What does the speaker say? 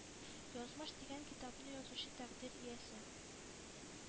Язмыш дигән китапны язучы тәкъдир иясе!